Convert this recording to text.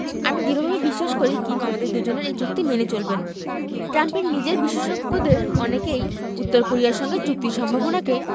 আমি দৃঢ়ভাবে বিশ্বাস করি কিম আমাদের দুজনের এই চুক্তি মেনে চলবেন ট্রাম্পের নিজের বিশেষজ্ঞদের অনেকেই উত্তর কোরিয়ার সঙ্গে চুক্তির সম্ভাবনাকে